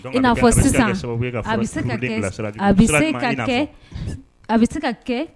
Donc i n'a fɔ sisan a bɛ kɛ a bɛ sen ka kɛ sababu ye ka fura furuden bilasira a bɛ se ka kɛ a bɛ se ka kɛ a bɛ se ka kɛ